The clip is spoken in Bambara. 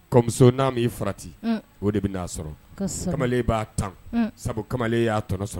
Kɔmuso n'a'i farati o de bɛ na'a sɔrɔ kamalen b'a tan sabu kamalenle y'a tɔnɔ sɔrɔ